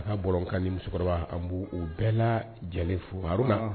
A' bɔrakan ni musokɔrɔba u bɛɛ la jɛ fo haruna